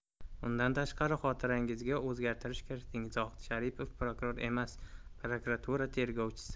undan tashqari xotirangizga o'zgartish kiriting zohid sharipov prokuror emas prokuratura tergovchisi